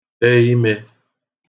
te imē